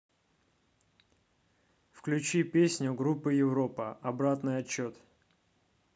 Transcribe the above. включи песню группы европа обратный отсчет